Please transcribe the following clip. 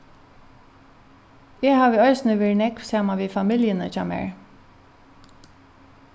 eg havi eisini verið nógv saman við familjuni hjá mær